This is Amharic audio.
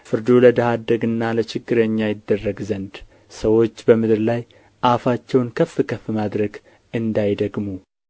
ፍርዱ ለድሀ አደግና ለችግረኛ ይደረግ ዘንድ ሰዎች በምድር ላይ አፋቸውን ከፍ ከፍ ማድረግ እንዳይደግሙ